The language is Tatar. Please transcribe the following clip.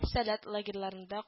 ”сәләт” лагерьларында